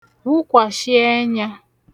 wụkwashi ẹnya